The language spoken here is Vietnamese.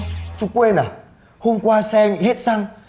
chú quên à hôm qua xe bị hết xăng